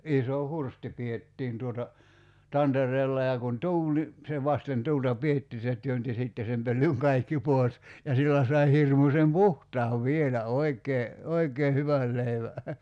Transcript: iso hursti pidettiin tuota tantereella ja kun tuuli niin se vasten tuulta pidettiin se työnsi sitten sen pölyn kaikki pois ja sillä sai hirmuisen puhtaan vielä oikein oikein hyvän leivän